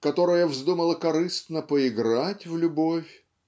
которая вздумала корыстно поиграть в любовь